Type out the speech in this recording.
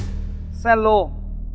xe lô